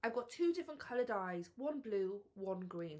I've got two different coloured eyes, one blue, one green.